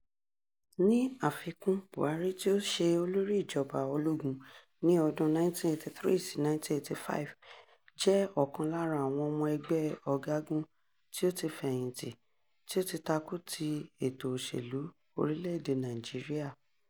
Ní àfikún, Buhari tí ó ṣe olórí ìjọba ológun ní ọdún (1983 sí 1985) jẹ́ ọ̀kan lára àwọn ọmọ ẹgbẹ́' ọ̀gágun tí ó ti fẹ̀yìntì tí ó ti takú ti ètò òṣèlú orílẹ̀-èdè Nàìjíríà.